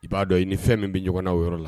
I b'a dɔn i ni fɛn min bɛ ɲɔgɔnna o yɔrɔ la